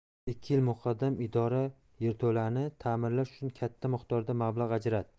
ikki yil muqaddam idora yerto'lani ta'mirlash uchun katta miqdorda mablag' ajratdi